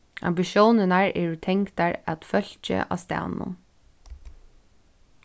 ambitiónirnar eru tengdar at fólki á staðnum